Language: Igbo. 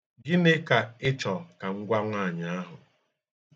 Gịnị Ka ị chọ ka m gwa nwaanyị ahụ?